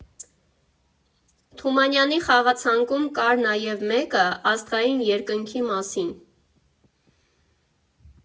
Թումանյանի խաղացանկում կար նաև մեկը՝ աստղային երկնքի մասին։